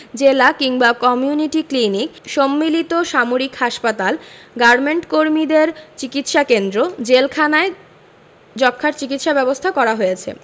জেলা কিংবা community clinic সম্মিলিত সামরিক হাসপাতাল গার্মেন্টকর্মীদের চিকিৎসাকেন্দ্র জেলখানায় যক্ষ্মার চিকিৎসা ব্যবস্থা করা হয়েছে